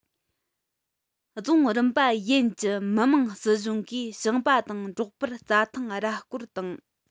རྫོང རིམ པ ཡན གྱི མི དམངས སྲིད གཞུང གིས ཞིང པ དང འབྲོག པར རྩྭ ཐང ར སྐོར དང